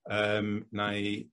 Yym wnâi